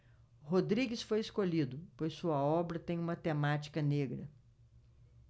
rodrigues foi escolhido pois sua obra tem uma temática negra